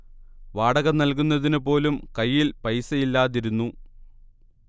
വാടക നൽകുന്നതിന് പോലും കൈയിൽ പൈസയില്ലാതിരുന്നു